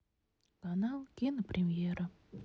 канал кинопремьера